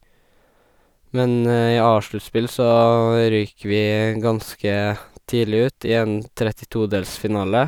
Men i A-sluttspill så røyk vi ganske tidlig ut i en trettitodelsfinale.